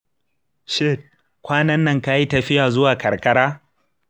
shin kwanan nan ka yi tafiya zuwa karkara?